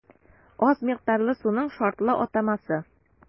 Аз микъдарлы суның шартлы атамасы.